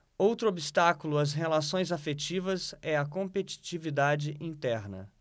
outro obstáculo às relações afetivas é a competitividade interna